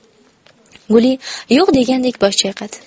guli yo'q degandek bosh chayqadi